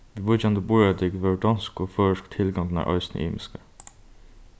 viðvíkjandi burðardygd vóru donsku og føroysku tilgongdirnar eisini ymiskar